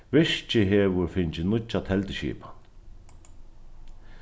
virkið hevur fingið nýggja telduskipan